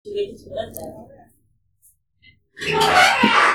yaronka yana da zazzaɓin cizon sauro mai tsanani kuma yana buƙatar ganin likitan yara